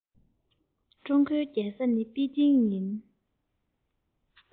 ཀྲུང གོའི རྒྱལ ས པེ ཅིང ཡིན